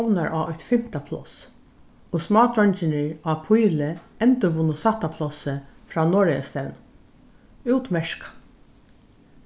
komnar á eitt fimta pláss og smádreingirnir á píli endurvunnu sætta plássið frá norðoyastevnu útmerkað